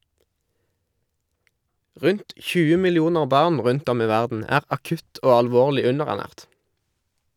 Rundt 20 millioner barn rundt om i verden er akutt og alvorlig underernært.